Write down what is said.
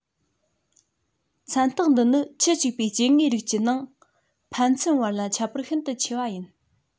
མཚན རྟགས འདི ནི ཁྱུ གཅིག པའི སྐྱེ དངོས རིགས ཀྱི ནང ཕན ཚུན བར ལ ཁྱད པར ཤིན ཏུ ཆེ བ ཡིན